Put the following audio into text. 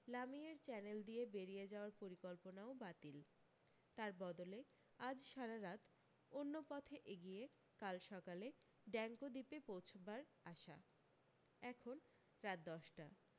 লামিয়ের channel দিয়ে বেরিয়ে যাওয়ার পরিকল্পনাও বাতিল তার বদলে আজ সারারাত অন্য পথে এগিয়ে কাল সকালে ড্যাঙ্কো দ্বীপে পৌছবার আশা এখন রাত দশটা